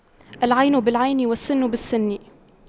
العين بالعين والسن بالسن